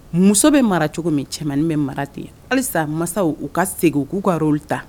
Muso bɛ mara cogo min cɛmannin bɛ mara ten halisa masaw u ka segin k'u kar ta